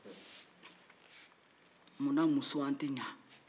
munna an te ɲɛ musow